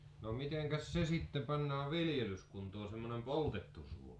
no mitenkäs se sitten pannaan viljelyskuntoon semmoinen poltettu suo